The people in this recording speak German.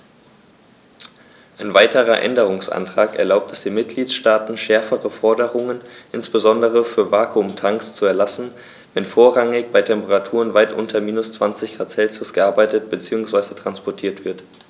Ein weiterer Änderungsantrag erlaubt es den Mitgliedstaaten, schärfere Forderungen, insbesondere für Vakuumtanks, zu erlassen, wenn vorrangig bei Temperaturen weit unter minus 20º C gearbeitet bzw. transportiert wird.